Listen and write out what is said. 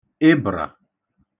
ịbə̣̀rà